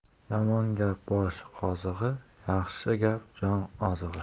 yomon gap bosh qozig'i yaxshi gap jon ozig'i